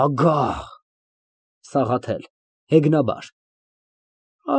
Ագահ։ ՍԱՂԱԹԵԼ ֊ (Հեգնաբար)։